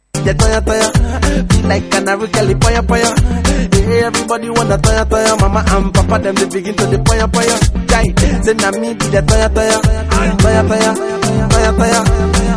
Yan tilekbuli payan payan ye watatɔyan mama an ba delibilili bayanpyan nka se nami